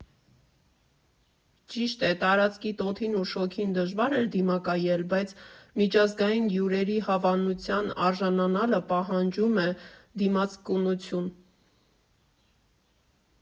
Ճիշտ է, տարածքի տոթին ու շոգին դժվար էր դիմակայել, բայց միջազգային հյուրերի հավանության արժանանալը պահանջում է դիմացկունություն։